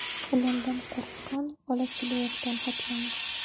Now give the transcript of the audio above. ilondan qo'rqqan ola chilvirdan hatlamas